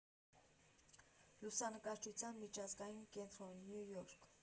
Լուսանկարչության միջազգային կենտրոն, Նյու Յորք։